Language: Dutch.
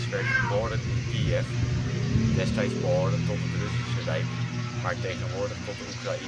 werd geboren in Kiev (destijds behorend tot het Russische Rijk maar tegenwoordig tot Oekraïne